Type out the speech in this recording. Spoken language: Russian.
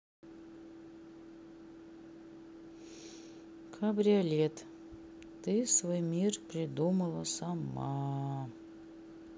кабриолет ты свой мир придумала сама